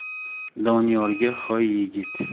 doniyorga hoy yigit